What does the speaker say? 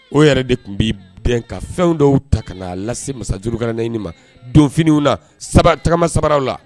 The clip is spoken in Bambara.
O yɛrɛ de kun bi dɛn ka fɛn dɔw de ta ka na lase masajurukara naɲini ma. Donfiniw na tagama sabaraw la.